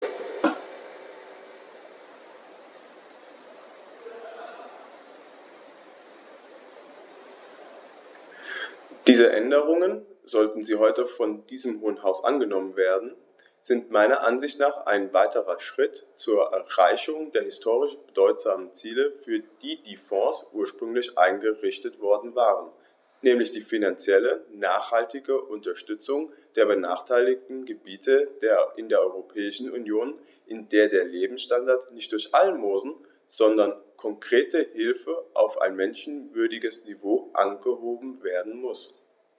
Diese Änderungen, sollten sie heute von diesem Hohen Haus angenommen werden, sind meiner Ansicht nach ein weiterer entscheidender Schritt zur Erreichung der historisch bedeutsamen Ziele, für die die Fonds ursprünglich eingerichtet worden waren, nämlich die finanziell nachhaltige Unterstützung der benachteiligten Gebiete in der Europäischen Union, in der der Lebensstandard nicht durch Almosen, sondern konkrete Hilfe auf ein menschenwürdiges Niveau angehoben werden muss.